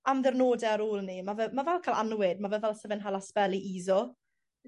am ddirnode ar ôl 'ny ma' fel ma' fel ca'l annwyd ma' fe fel se fe'n hala sbel i uso.